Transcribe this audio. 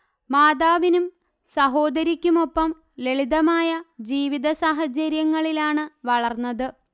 മാതാവിനും സഹോദരിക്കുമൊപ്പം ലളിതമായ ജീവിതസാഹചര്യങ്ങളിലാണ് വളർന്നത്